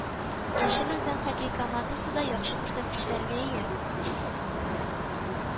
Яшел Үзән хоккей командасы да яхшы күрсәткечләргә ия